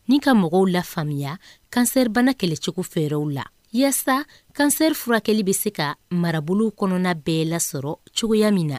N' ka mɔgɔw la faamuya cancer kɛlɛcogo fɛɛrɛw la walasa cancer furakɛli bɛ se ka marabolo kɔnɔna bɛɛ lasɔrɔ cogoya min na.